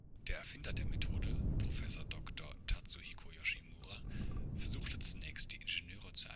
Der Erfinder der Methode, Prof. Dr. Tatsuhiko Yoshimura, versuchte zunächst die Ingenieure zu